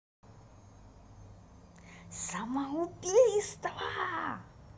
самоубийство